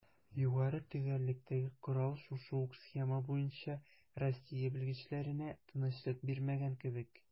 Югары төгәллектәге корал шушы ук схема буенча Россия белгечләренә тынычлык бирмәгән кебек: